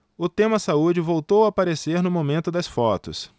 o tema saúde voltou a aparecer no momento das fotos